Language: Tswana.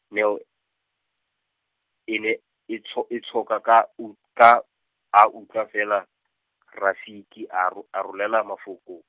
Neo, ene, e tsho- e tshoka ka u-, ka, a utlwa fela , Rafiki a ro- a rolela mafoko.